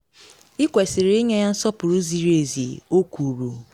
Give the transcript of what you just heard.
Ị kwesịrị ịnye ya nsọpụrụ ziri ezi, “o kwuru.